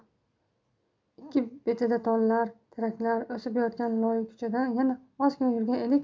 ikki betida tollar teraklar o'sib yotgan loy ko'chadan yana ozgina yurgan edik